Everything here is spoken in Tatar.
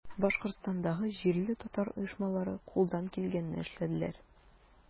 Башкортстандагы җирле татар оешмалары кулдан килгәнне эшләделәр.